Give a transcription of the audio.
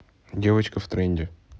девочка в тренде